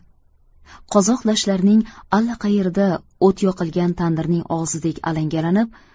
qozoq dashtlarining allaqayerida o't yoqilgan tandirning og'zidek alangalanib